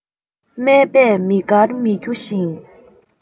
སྨད པས མི དགར མི འགྱུར ཞིང